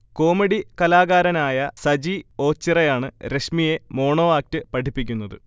comedy കലാകാരനായ സജി ഓച്ചിറയാണ് രശ്മിയെ മോണോ ആക്ട് പഠിപ്പിക്കുന്നത്